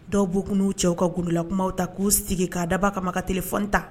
Dɔw b'u k'u cɛw ka gla kumaw ta k'u sigi ka daba kama ka t fɔɔni ta